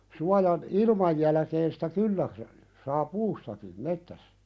suojan ilman jälkeen sitä kyllä saa puustakin metsässä